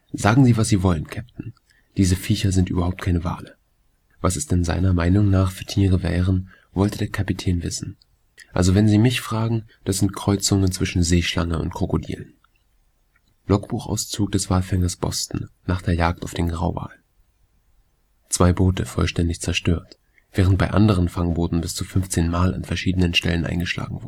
Sagen Sie, was Sie wollen, Käpt’ n, diese Viecher sind überhaupt keine Wale. Was es denn seiner Meinung nach für Tiere wären, wollte der Kapitän wissen. Also wenn Sie mich fragen, das sind Kreuzungen zwischen Seeschlange und Krokodilen. Logbuchauszug des Walfängers Boston nach der Jagd auf den Grauwal: Zwei Boote vollständig zerstört, während bei anderen Fangbooten bis zu 15-mal an verschiedenen Stellen eingeschlagen